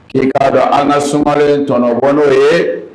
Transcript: K'i k'a dɔn an ka sumaren tɔnɔbɔ n'o ye